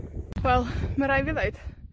Wel, ma' rai' fi ddeud,